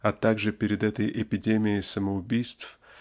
а также пред этой эпидемией самоубийств